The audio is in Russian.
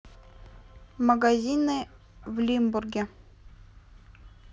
магазины в лимбурге